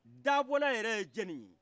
dabɔndayɛreye jɔniye